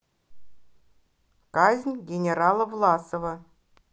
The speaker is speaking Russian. казнь генерала власова